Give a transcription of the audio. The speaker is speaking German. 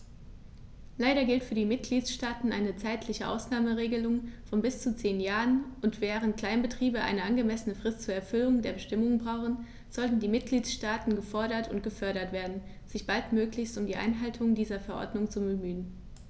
Leider gilt für die Mitgliedstaaten eine zeitliche Ausnahmeregelung von bis zu zehn Jahren, und, während Kleinbetriebe eine angemessene Frist zur Erfüllung der Bestimmungen brauchen, sollten die Mitgliedstaaten gefordert und gefördert werden, sich baldmöglichst um die Einhaltung dieser Verordnung zu bemühen.